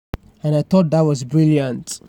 And I thought that was brilliant."